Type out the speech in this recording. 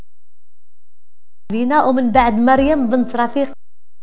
ومن بعد مريم بنت راشد